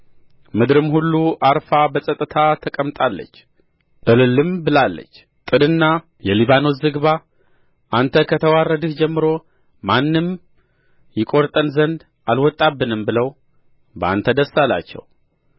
ምድርም ሁሉ ዐርፋ በጸጥታ ተቀምጣለች እልልም ብላለች ጥድና የሊባኖስ ዝግባ አንተ ከተዋረድህ ጀምሮ ማንም ይቈርጠን ዘንድ አልወጣብንም ብለው በአንተ ደስ አላቸው